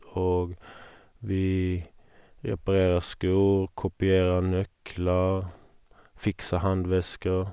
Og vi reparerer sko, kopierer nøkler, fikser håndvesker.